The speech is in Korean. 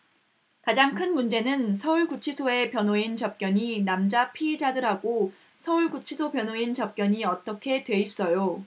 가장 큰 문제는 서울 구치소에 변호인 접견이 남자 피의자들하고 서울 구치소 변호인 접견이 어떻게 돼 있어요